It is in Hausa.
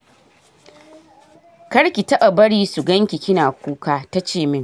“kar ki taba bari su ganki kina kuka,” ta ce min.